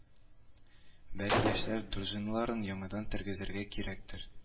Бәлки яшьләр дружиналарын яңадан тергезергә кирәктер